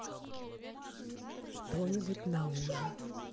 что нибудь на ужин